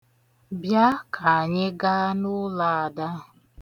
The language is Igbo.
Bịa ka anyị ga n'ụlọ Ada.